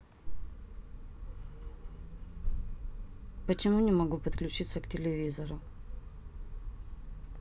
почему не могу подключиться к телевизору